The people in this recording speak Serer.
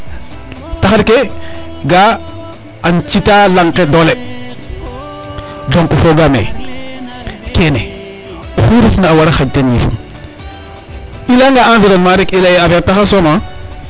Taxar ke ga a ci'aa lanq ke doole donc foogaam ee kene oxu refna a waraa xaƴ teen yiif, i layanga environnement i lay ee affaire taxar soom .